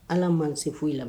Ala maasen foyi i la